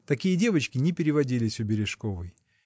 Такие девочки не переводились у Бережковой.